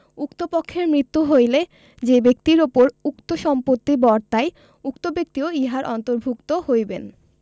উক্ত পক্ষের মৃত্যু হইলে যেই ব্যক্তির উপর উক্ত সম্পত্তি বর্তায় উক্ত ব্যক্তিও ইহার অন্তর্ভুক্ত হইবেন